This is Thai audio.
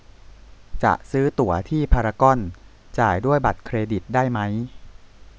จะซื้อตั๋วที่พารากอนจ่ายด้วยบัตรเครดิตได้ม้้ย